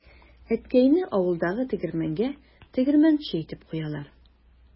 Әткәйне авылдагы тегермәнгә тегермәнче итеп куялар.